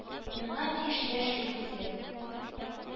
Миңа биш яшь юк иде